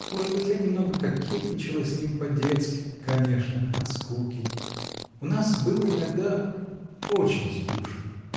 Может быть, я немного кокетничала с ним, по-детски, конечно, от скуки. У нас было иногда. очень скучно!